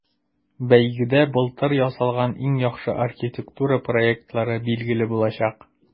Бәйгедә былтыр ясалган иң яхшы архитектура проектлары билгеле булачак.